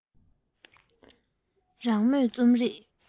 རང མོས རྩོམ རིག